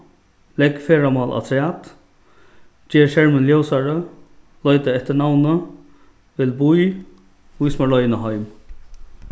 legg ferðamál afturat ger skermin ljósari leita eftir navni vel bý vís mær leiðina heim